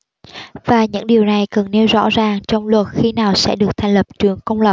và những điều này cần nêu rõ ràng trong luật khi nào sẽ được thành lập trường công lập